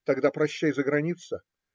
Тогда - прощай заграница!